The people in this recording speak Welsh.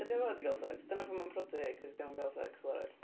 Ydi o fod i gal sex? Dyna pam ma' nhw'n prodi ie achos 'di o ddim yn cal sex fel arall?